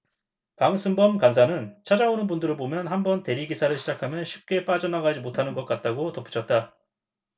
방승범 간사는 찾아오는 분들을 보면 한 번 대리기사를 시작하면 쉽게 빠져나가지 못하는 것 같다고 덧붙였다